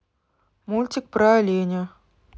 мультик про оленя